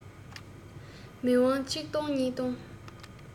མིག དབང གཅིག ལྡོངས གཉིས ལྡོངས